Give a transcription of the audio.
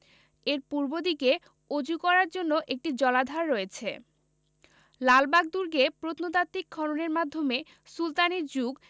এর পূর্বদিকে ওজু করার জন্য একটি জলাধার রয়েছে লালবাগ দুর্গে প্রত্নতাত্ত্বিক খননের মাধ্যমে সুলতানি যুগ